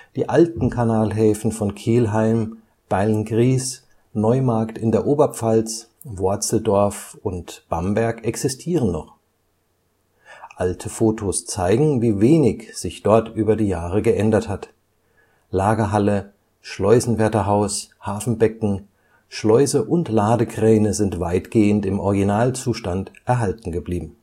Die alten Kanalhäfen von Kelheim, Beilngries, Neumarkt in der Oberpfalz, Worzeldorf und Bamberg existieren noch. Alte Fotos zeigen, wie wenig sich dort über die Jahre geändert hat: Lagerhalle, Schleusenwärterhaus, Hafenbecken, Schleuse und Ladekräne sind weitgehend im Originalzustand erhalten geblieben